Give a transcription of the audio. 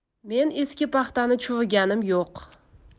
men eski paxtani chuviganim yo'q